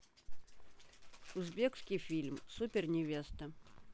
узбекский фильм супер невеста